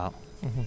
waaw